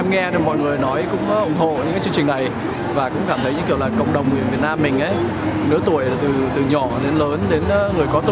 em nghe được mọi người nói cũng ủng hộ chương trình này và cũng cảm thấy như kiểu là cộng đồng người việt nam mình ấy lứa tuổi từ từ nhỏ đến lớn đến người có tuổi